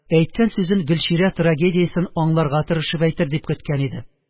Әйткән сүзен гөлчирә трагедиясен аңларга тырышып әйтер дип көткән иде.